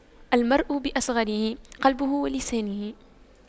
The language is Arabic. المرء بأصغريه قلبه ولسانه